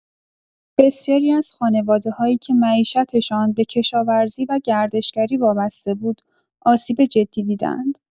بسیاری از خانواده‌هایی که معیشتشان به کشاورزی و گردشگری وابسته بود، آسیب جدی دیده‌اند.